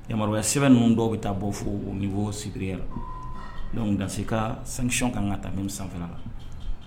Yamaruya sɛbɛn ninnu dɔw bɛ taa bɔ fo n bɔ sigira la dan se ka sanusi kan ka taa la